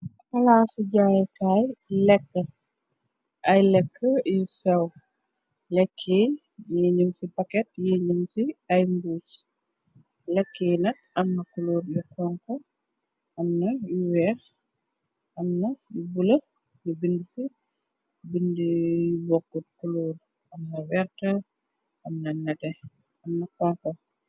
Palaa ci jaaykaay leka ay leka yu sew lekki yi ñyun ci paket yi nyun ci ay mbuus lekki nak amna kuluur yu xonxu amna u weex amna yu bulu ñu binda ci binda yu bokkut kuluur amna werte amna netex mogi xonxu.